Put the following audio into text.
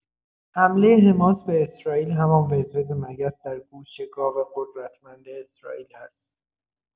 حمله حماس به اسرائیل، همان وز وز مگس در گوش گاو قدرتمند اسرائیل هست.